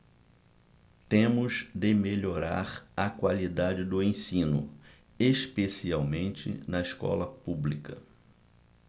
temos de melhorar a qualidade do ensino especialmente na escola pública